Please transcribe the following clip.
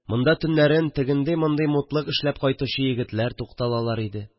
Монда төннәрен тегенди-мондый мутлык эшләп кайтучы егетләр тукталалар иде